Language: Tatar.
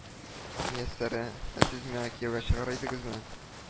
—мияссәрә, ә сез миңа кияүгә чыгар идегезме